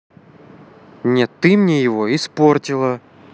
нет ты мне его испортила